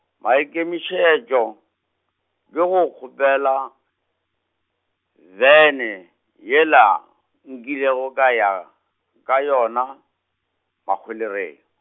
maikemišetšo, ke go kgopela, bene, yela, nkilego ka ya, ka yona, Mahwelereng.